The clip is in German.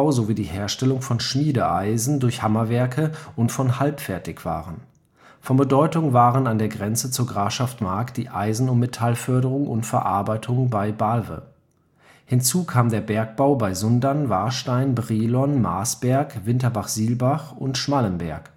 sowie die Herstellung von Schmiedeeisen durch Hammerwerke und von Halbfertigwaren. Von Bedeutung waren an der Grenze zur Grafschaft Mark die Eisen - und Metallförderung und - verarbeitung bei Balve (Luisenhütte). Hinzu kam der Bergbau bei Sundern, Warstein, Brilon, Marsberg, Winterberg-Silbach und Schmallenberg